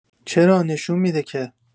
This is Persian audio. چرا نشون می‌ده که